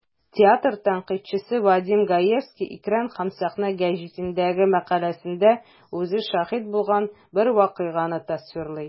Театр тәнкыйтьчесе Вадим Гаевский "Экран һәм сәхнә" газетасындагы мәкаләсендә үзе шаһит булган бер вакыйганы тасвирлый.